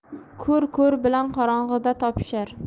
ko'r ko'r bilan qorong'ida topishar